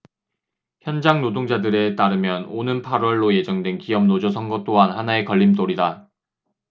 현장 노동자들에 따르면 오는 팔 월로 예정된 기업노조 선거 또한 하나의 걸림돌이다